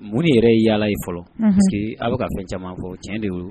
Mun yɛrɛ ye yaala ye fɔlɔ parce que a bɛ ka fɛn caman fɔ cɛn de wolo